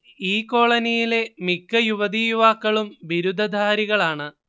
ഈ കോളനിയിലെ മിക്ക യുവതിയുവാക്കളും ബിരുദധാരികളാണ്